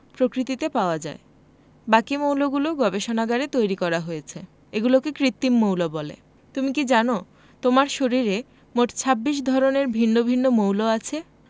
প্রকৃতিতে পাওয়া যায় বাকি মৌলগুলো গবেষণাগারে তৈরি করা হয়েছে এগুলোকে কৃত্রিম মৌল বলে তুমি কি জানো তোমার শরীরে মোট 26 ধরনের ভিন্ন ভিন্ন মৌল আছে